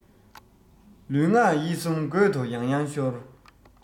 ལུས ངག ཡིད གསུམ རྒོད དུ ཡང ཡང ཤོར